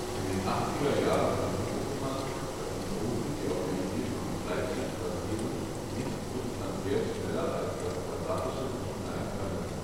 In den Achtzigerjahren vermutete man, dass Methoden, die auf der Idee von Kraitchik basieren, nicht substanziell schneller als das quadratische Sieb sein können